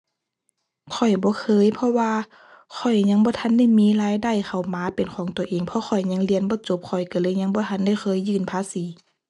ข้อยบ่เคย เพราะว่าข้อยยังบ่ทันได้มีรายได้เข้ามาเป็นของตัวเอง เพราะข้อยยังเรียนบ่จบ ข้อยก็เลยยังบ่ทันได้เคยยื่นภาษี